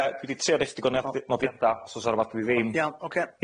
Yy dwi 'di trio rhestru nodiad- nodiada' os o's 'na rwbath dwi ddim... Iawn ocê